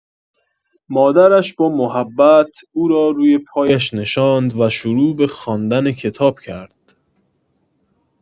مادرش با محبت، او را روی پایش نشاند و شروع به خواندن کتاب کرد.